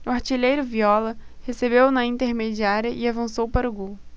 o artilheiro viola recebeu na intermediária e avançou para o gol